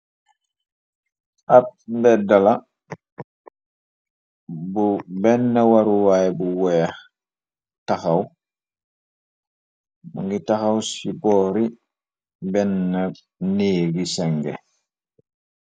ab mdeddala bu benn waruwaay bu weex taxaw ngi taxaw ci boori benna néebi senge.